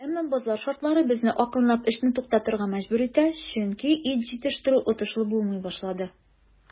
Әмма базар шартлары безне акрынлап эшне туктатырга мәҗбүр итә, чөнки ит җитештерү отышлы булмый башлады.